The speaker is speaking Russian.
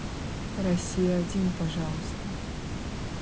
россия один пожалуйста